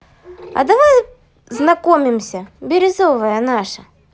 а давай знакомимся березовая наша